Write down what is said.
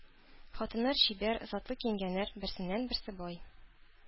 Хатыннар чибәр, затлы киенгәннәр, берсеннән-берсе бай.